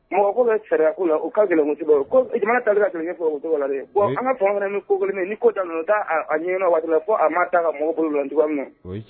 Mɔgɔ ko bɛ sariya u la u ka gɛlɛn jama ta ka an ka fa ni ko kulubali ni ko da u taa a ɲɛ waati la ko a ma ta mɔgɔw bolo la jugu min na